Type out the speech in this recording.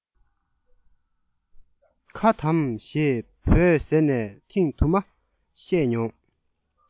ཁ དམ ཞེས བོས ཟེར ནས ཐེངས དུ ལ བཤད མྱོང